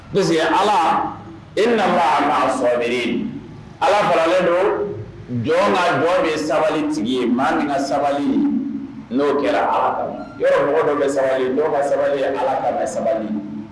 Puis que Ala Ala faralen don jɔn ŋa jɔn min ye sabali tigi ye maa min ŋa sabali n'o kɛra Ala kama yɔrɔ mɔgɔ dɔ bɛ sabali dɔw ka sabali ye Ala kama sabali